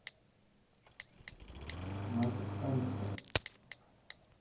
мальчик с фантика